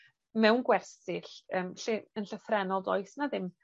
Mewn gwersyll yym lle yn llythrennol does 'na ddim